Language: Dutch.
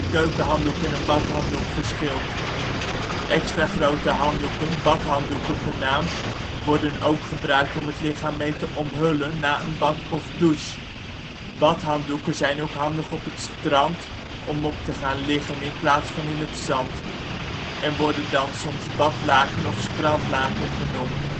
keukenhanddoek en een badhanddoek verschilt. Extra grote handdoeken, badhanddoeken genaamd, worden ook gebruikt om het lichaam mee te omhullen na een bad of douche. Badhanddoeken zijn ook handig op het strand, om op te gaan liggen in plaats van in het zand, en worden dan soms badlaken of strandlaken genoemd